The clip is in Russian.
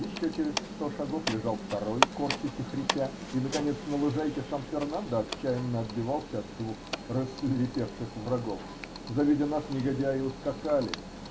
Еще через сто шагов лежал второй, корчась и хрипя, и, наконец, на лужайке сам Фернандо отчаянно отбивался от двух рассвирепевших врагов. Завидя нас, негодяи ускакали.